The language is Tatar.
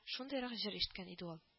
Шундыйрак җыр ишеткән иде ул